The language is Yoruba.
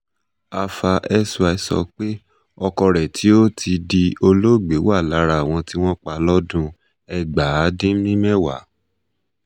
Alpha Sy sọ pé ọkọ rẹ̀ tí ó ti di olóògbé wà lára àwọn tí wọ́n pa lọ́dún 1990.